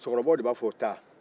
musokɔrɔbaw de b'a fɔ